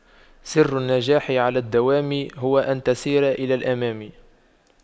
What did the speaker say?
سر النجاح على الدوام هو أن تسير إلى الأمام